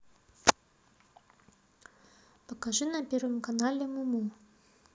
покажи на первом канале муму